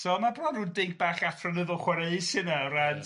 So ma' bron ryw dinc bach athronyddol chwaraeus hynna o ran